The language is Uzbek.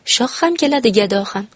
shoh ham keladi gado ham